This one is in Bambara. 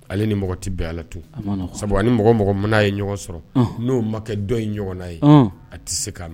Ale ni mɔgɔ tɛ bɛn ala to sabu ani mɔgɔ mɔgɔ mana' ye ɲɔgɔn sɔrɔ n'o makɛ dɔ ye ɲɔgɔnna ye a tɛ se k' na